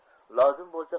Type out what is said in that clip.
lozim bo'lsa